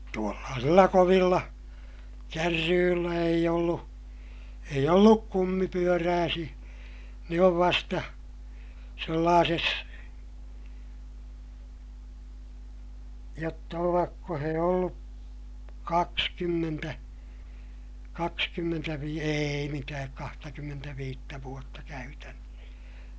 tuollaisilla kovilla kärryillä ei ollut ei ollut kumipyöräisiä ne on vasta sellaisessa jotta ovatko he ollut kaksikymmentä - ei mitään kahtakymmentäviittä vuotta käytännössä